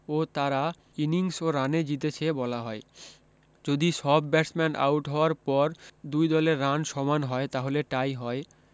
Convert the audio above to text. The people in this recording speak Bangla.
ও তারা ইনিংস ও রানে জিতেছে বলা হয় যদি সব ব্যাটসম্যান আউট হওয়ার পর দুই দলের রান সমান হয় তাহলে টাই হয়